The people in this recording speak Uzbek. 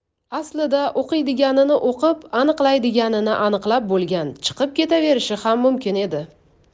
aslida o'qiydiganini o'qib aniqlaydiganini aniqlab bo'lgan chiqib ketaverishi ham mumkin edi